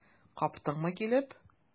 Каптыңмы килеп?